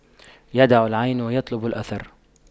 يدع العين ويطلب الأثر